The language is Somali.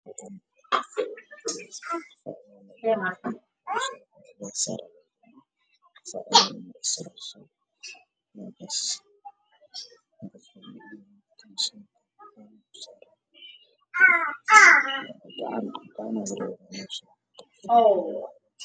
Waa gacan dumar cillan ayaa umarsan